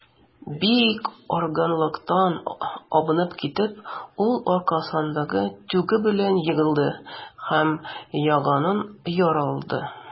Бик арыганлыктан абынып китеп, ул аркасындагы тюгы белән егылды һәм яңагын яралады.